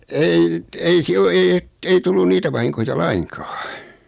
ei ei siellä ole ei että ei tullut niitä vahinkoja lainkaan